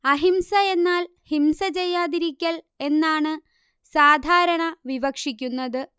അഹിംസ എന്നാൽ ഹിംസ ചെയ്യാതിരിക്കൽ എന്നാണ് സാധാരണ വിവക്ഷിക്കുന്നത്